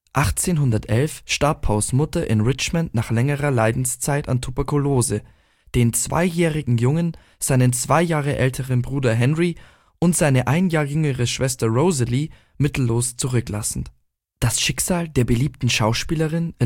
1811 starb Poes Mutter in Richmond nach längerer Leidenszeit an Tuberkulose, den zweijährigen Jungen, seinen zwei Jahre älteren Bruder Henry und seine ein Jahr jüngere Schwester Rosalie mittellos zurücklassend. Das Schicksal der als Schauspielerin beliebten Elizabeth